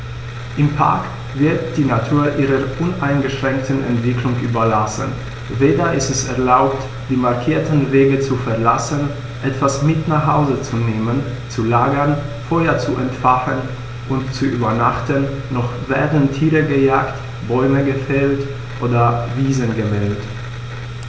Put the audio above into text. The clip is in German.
Im Park wird die Natur ihrer uneingeschränkten Entwicklung überlassen; weder ist es erlaubt, die markierten Wege zu verlassen, etwas mit nach Hause zu nehmen, zu lagern, Feuer zu entfachen und zu übernachten, noch werden Tiere gejagt, Bäume gefällt oder Wiesen gemäht.